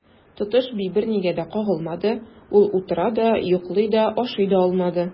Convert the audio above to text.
Тотыш би бернигә дә кагылмады, ул утыра да, йоклый да, ашый да алмады.